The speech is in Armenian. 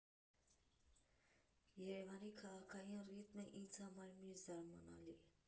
Երևանի քաղաքային ռիթմը ինձ համար միշտ զարմանալի է։